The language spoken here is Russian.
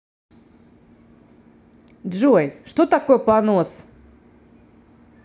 джой что такое понос